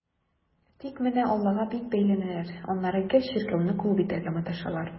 Тик менә аллага бик бәйләнәләр, аннары гел чиркәүне клуб итәргә маташалар.